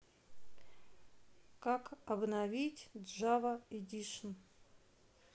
как обновить джава эдишн